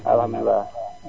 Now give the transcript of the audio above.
alxamdulilaa